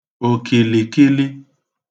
òkìlìkili